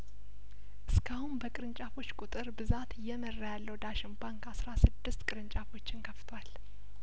እስካሁን በቅርንጫፎች ቁጥር ብዛት እየመራ ያለው ዳሸን ባንክ አስራ ስድስት ቅርንጫፎችን ከፍቷል